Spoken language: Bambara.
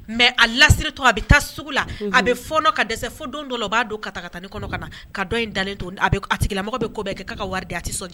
Mɛ a lasirire to a bɛ taa sugu la a bɛ fɔɔnɔ ka dɛsɛ fo don dɔ b'a don kata taa ni kɔnɔ ka ka in dalen a bɛ a tigimɔgɔ bɛ kɔbɛn kɛ ka wari a tɛ so